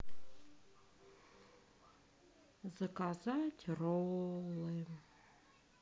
заказать роллы